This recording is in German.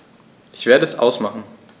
Ich werde es ausmachen